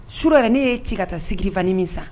Sura ne y'e ci ka taa sucre vanilline min san